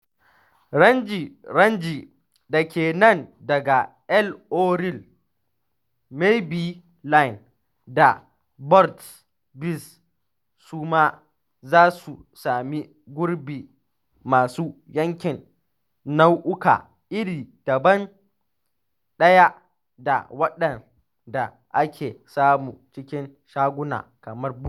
Ranji-ranji da ke nan daga L'Oreal, Maybelline da Burt's Bees su ma za su sami gurbi masu yankin nau’uka iri ɗaya da waɗanda ake samu a cikin shaguna kamar Boots.